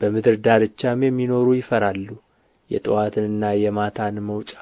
በምድር ዳርቻም የሚኖሩ ይፈራሉ የጥዋትንና የማታን መውጫ